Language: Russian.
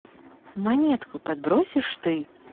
монетку подбросишь ты